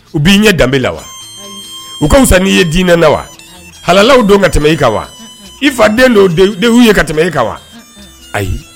U b'i ɲɛ danbe la wa u ka fisa n'i ye dinɛ na wa hala don ka tɛmɛ kan wa i fa den don denw y' ye ka tɛmɛ kan wa ayi